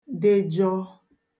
dejọọ